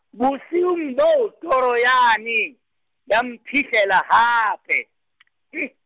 bosiung boo, toro yane, ya mphihlela hape .